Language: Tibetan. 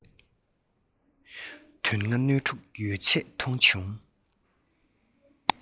དོན ལྔ སྣོད དྲུག ཡོད ཚད མཐོང བྱུང